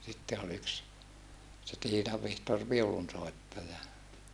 sitten oli yksi se Tiinan Vihtori viulunsoittaja